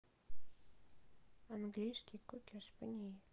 английский кокер спаниель